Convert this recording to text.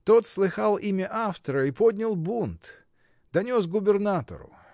Тот слыхал имя автора и поднял бунт — донес губернатору.